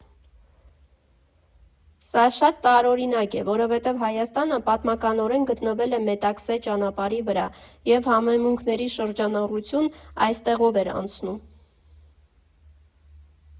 Սա շատ տարօրինակ է, որովհետև Հայաստանը պատմականորեն գտնվել է Մետաքսե ճանապարհի վրա, և համեմունքների շրջանառություն այստեղով էր անցնում։